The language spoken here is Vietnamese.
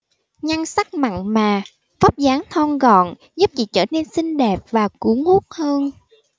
nhan sắc mặn mà vóc dáng thon gọn giúp chị trở nên xinh đẹp và cuốn hút hơn